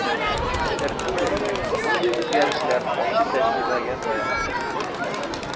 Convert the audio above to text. Сер түгел, мондый үзгәрешләр ачы тәҗрибәгә таянып кертелгән.